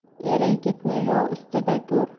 er yigitni yov ustida ko'r